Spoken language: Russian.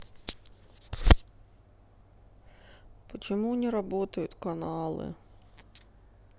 почему не работают каналы